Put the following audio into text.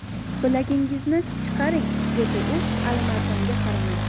bilagingizni chiqaring dedi u alimardonga qaramay